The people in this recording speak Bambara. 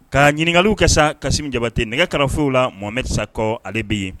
Kaa ɲiniŋaliw kɛ sa Kassim Jabate nɛgɛ karafew la Mohamed Sacko ale be yen